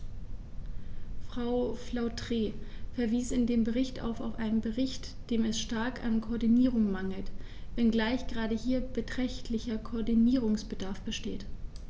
Frau Flautre verwies in ihrem Bericht auch auf einen Bereich, dem es stark an Koordinierung mangelt, wenngleich gerade hier beträchtlicher Koordinierungsbedarf besteht.